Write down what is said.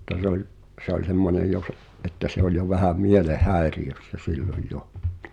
mutta se oli se oli semmoinen jo - että se oli jo vähän mielenhäiriössä silloin jo